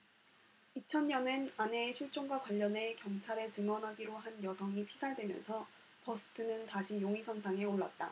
이천 년엔 아내의 실종과 관련해 경찰에 증언하기로 한 여성이 피살되면서 더스트는 다시 용의선상에 올랐다